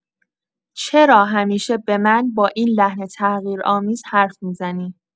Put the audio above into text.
چرا همیشه به من با این لحن تحقیرآمیز حرف می‌زنی؟